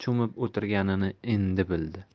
cho'mib o'tirganini endi bildi